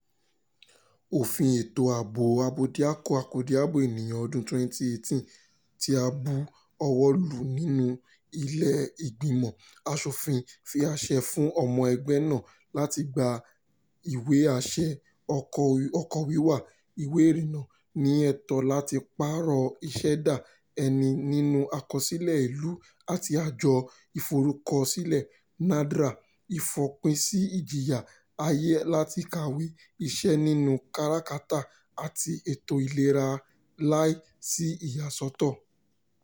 Òfin Ẹ̀tọ́ Ààbò Abódiakọ-akọ́diabo Ènìyàn ọdún 2018 tí a bu ọwọ́ lù nínú ilé ìgbìmọ̀ aṣòfin fi àṣẹ fún ọmọ ẹgbẹ́ náà láti gba ìwé àṣẹ ọkọ̀ wíwà, ìwé ìrìnnà, ní ẹ̀tọ́ láti pààrọ ìṣẹ̀dá ẹni nínú àkọsílẹ̀ ìlú àti Àjọ Ìforúkọsílẹ̀ (NADRA), ìfòpinsí ìjìyà, àyè láti kàwé, iṣẹ́ nínú káràkátà àti ètò ìlera láì sí ìyàsọ́tọ̀.